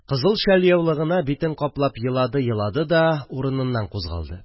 Кызыл шәльяулыгына битен каплап елады-елады да, урыныннан кузгалды